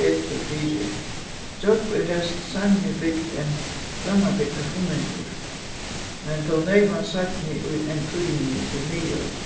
betur fyri gjógv er helst seinri bygd enn grannabygdin funningur men tó neyvan seinni í enn tíðini í miðøld